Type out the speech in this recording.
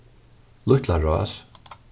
lítlarás